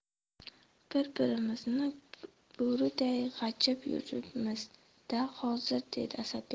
bir birimizni bo'riday g'ajib yuribmiz da hozir dedi asadbek